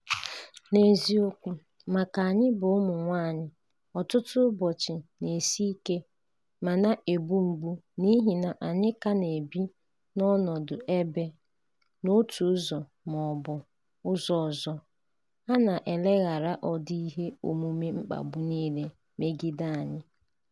N'eziokwu, maka anyị bụ ụmụ nwaanyị, ọtụtụ ụbọchị na-esi ike ma na-egbu mgbu n'ihi na anyị ka na-ebi n'ọnọdụ ebe, n'otu ụzọ ma ọ bụ ,'ụzọ ọzọ, a na-eleghara ụdị ihe omume mkpagbu niile megide anyị.